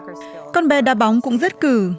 con bé đá bóng cũng rất cừ